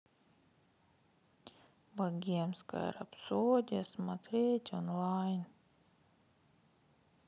богемская рапсодия смотреть онлайн